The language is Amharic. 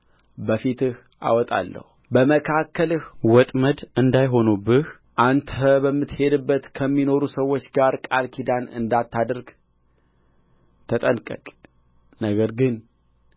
በፊትህ አወጣለሁ በመካከልህ ወጥመድ እንዳይሆኑብህ አንተ በምትሄድባት ምድር ከሚኖሩ ሰዎች ጋር ቃል ኪዳን እንዳታደርግ ተጠንቀቅ ነገር ግን